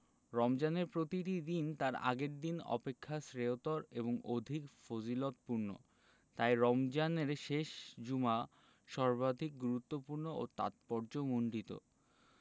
রমজানের প্রতিটি দিন তার আগের দিন অপেক্ষা শ্রেয়তর এবং অধিক ফজিলতপূর্ণ তাই রমজানের শেষ জুমা সর্বাধিক গুরুত্বপূর্ণ ও তাৎপর্যমণ্ডিত